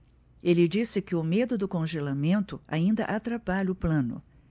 ele disse que o medo do congelamento ainda atrapalha o plano